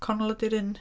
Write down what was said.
Connell ydy'r un...